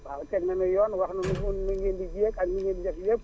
waaw teg nañu yoon wax nanu nii ngeen di jiyeeg ak ni ngeen di def lépp